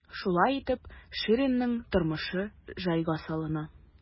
Шулай итеп, Ширинның тормышы җайга салына.